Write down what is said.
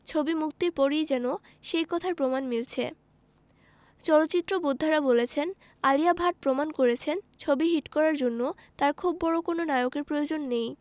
ছবি মুক্তির পরই যেন সেই কথার প্রমাণ মিলছে চলচ্চিত্র বোদ্ধারা বলছেন আলিয়া ভাট প্রমাণ করেছেন ছবি হিট করার জন্য তার খুব বড় কোনো নায়কের প্রয়োজন নেই